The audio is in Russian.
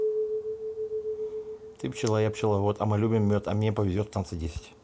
ты пчела я пчеловод а мы любим мед а мне повезет в танце десять